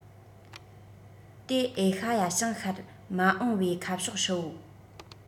དེ ཨེ ཤེ ཡ བྱང ཤར མ འོངས པའི ཁ ཕྱོགས ཧྲིལ པོ